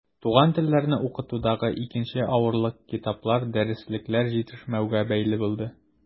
Туган телләрне укытудагы икенче авырлык китаплар, дәреслекләр җитешмәүгә бәйле булды.